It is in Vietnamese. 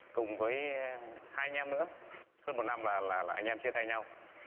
cùng với hai anh em nữa hơn một năm là là là anh em chia tay nhau